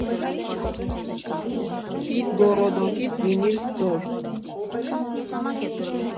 Ֆիզգոռոդոկից Վինիլ Սթոր։